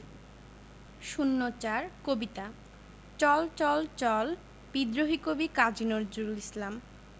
০৪ কবিতা চল চল চল বিদ্রোহী কবি কাজী নজরুল ইসলাম